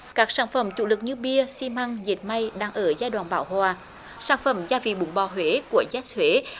các sản phẩm chủ lực như bia xi măng dệt may đang ở giai đoạn bão hòa sản phẩm gia vị bún bò huế của rét thuế